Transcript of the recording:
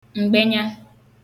m̀gbẹnya